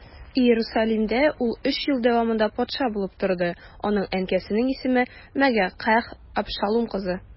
Иерусалимдә ул өч ел дәвамында патша булып торды, аның әнкәсенең исеме Мәгакәһ, Абшалум кызы.